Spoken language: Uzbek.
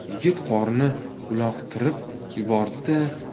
yigit qorni uloqtirib yubordi da